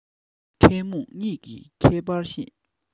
མཁས རྨོངས གཉིས ཀྱི ཁྱད པར ཤེས